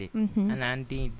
Kana anan den